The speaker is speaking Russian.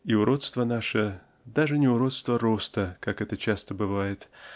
и уродство наше -- даже не уродство роста как это часто бывает